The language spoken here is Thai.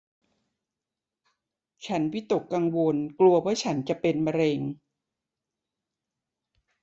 ฉันวิตกกังวลกลัวว่าฉันจะเป็นมะเร็ง